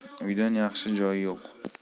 uydan yaxshi joy yo'q